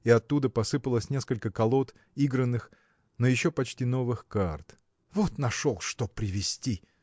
и оттуда посыпалось несколько колод игранных но еще почти новых карт. – Вот нашел что привезти!